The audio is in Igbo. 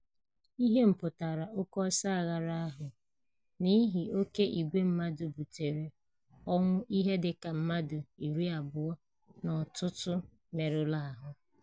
Ihe mpụtara oke ọsọ aghara ahụ n'ihi oke ìgwe mmadụ butere ọnwụ ihe dị ka mmadụ 20 na ọtụtụ mmerụ ahụ.